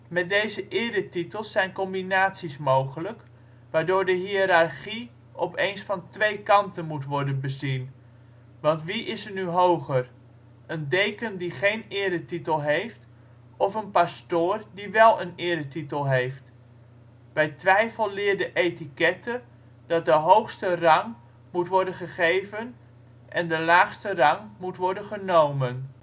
Met deze eretitels zijn combinaties mogelijk, waardoor de hiërarchie opeens van twee kanten moet worden bezien. Want wie is er nu hoger: een deken die geen eretitel heeft, of een pastoor die wel een eretitel heeft? Bij twijfel leert de etiquette dat de hoogste rang moet worden gegeven en de laagste rang moet worden genomen